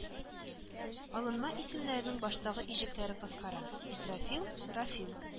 Алынма исемнәрнең баштагы иҗекләре кыскара: Исрафил Рафил